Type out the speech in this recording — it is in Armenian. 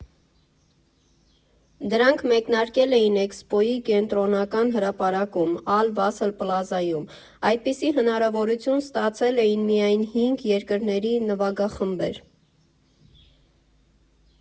Դրանք մեկնարկել են էքսպոյի կենտրոնական հրապարակում՝ Ալ Վասլ Պլազայում (այդպիսի հնարավորություն ստացել էին միայն հինգ երկրների նվագախմբեր)։